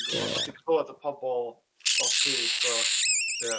Dwi'n gwybod a a ti'n clywed y pobl o tŷ, so ia...